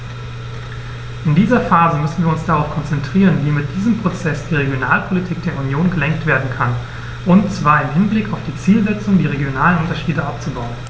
In dieser Phase müssen wir uns darauf konzentrieren, wie mit diesem Prozess die Regionalpolitik der Union gelenkt werden kann, und zwar im Hinblick auf die Zielsetzung, die regionalen Unterschiede abzubauen.